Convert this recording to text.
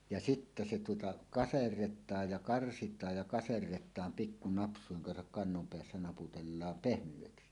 ja sitten se tuota kaserretaan ja karsitaan ja kaserretaan pikku napsujen kanssa kannon päässä naputellaan pehmeäksi